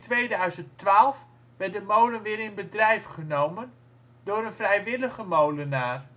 2012 werd de molen weer in bedrijf genomen door een vrijwillige molenaar